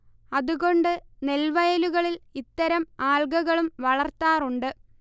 അതുകൊണ്ട് നെൽവയലുകളിൽ ഇത്തരം ആൽഗകളും വളർത്താറുണ്ട്